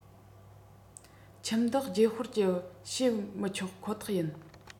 ཁྱིམ བདག བརྗེ སྤོར གྱི བྱེད མི ཆོག ཁོ ཐག ཡིན